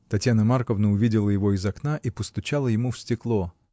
Татьяна Марковна увидела его из окна и постучала ему в стекло.